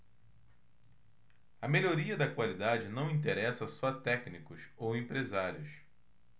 a melhoria da qualidade não interessa só a técnicos ou empresários